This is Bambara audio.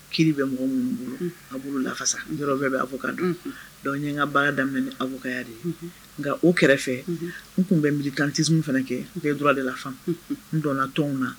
Ki bɛ mɔgɔ minnu bolo a bolo lafasa bɛɛ bɛ' fɔ ka dun dɔnku ye ka baara daminɛbuya de nka o kɛrɛfɛ tun bɛ mi ganti fana kɛ u dɔrɔnura de lafan n dɔn tɔnw na